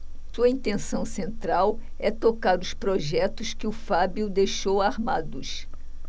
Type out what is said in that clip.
sua intenção central é tocar os projetos que o fábio deixou armados